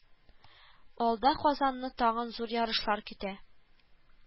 Алда Казанны тагын зур ярышлар көтә